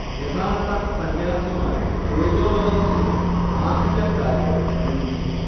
യഥാർത്ഥ സന്യാസിമാരെ തേജോവധം ചെയ്യാൻ ആഖജക്കാരെ നിയമിക്കുന്നു